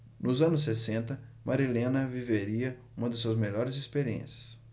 nos anos sessenta marilena viveria uma de suas melhores experiências